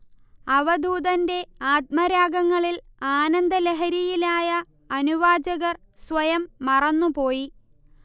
അവധൂതന്റെ ആത്മരാഗങ്ങളിൽ ആനന്ദലഹരിയിലായ അനുവാചകർ സ്വയം മറന്നുപോയി